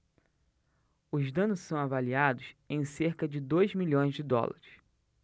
os danos são avaliados em cerca de dois milhões de dólares